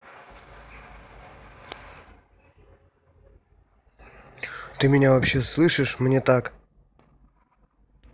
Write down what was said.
ты меня вообще слышишь мне так